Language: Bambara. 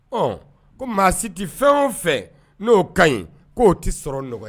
Ɔ maa si tɛ fɛn o fɛ n'o ka ɲi k'o tɛ sɔrɔ nɔgɔya